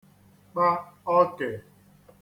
kpa ọkẹ̀